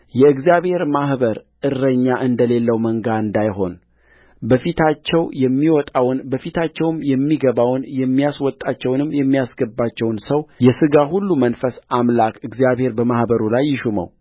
የእግዚአብሔር ማኅበር እረኛ እንደሌለው መንጋ እንዳይሆን በፊታቸው የሚወጣውን በፊታቸውም የሚገባውን የሚያስወጣቸውንም የሚያስገባቸውንም ሰው የሥጋ ሁሉ መንፈስ አምላክ እግዚአብሔር በማኅበሩ ላይ ይሹመው